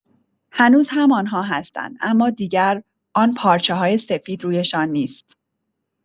هنوز همان‌ها هستند، اما دیگر آن پارچه‌های سفید رویشان نیست.